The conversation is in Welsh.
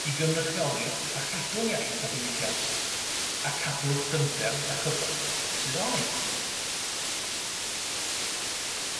i gynrychioli a chadw'n iaith a diwylliant, a cadw'r dyfnder a chyfoeth sydd ohoni.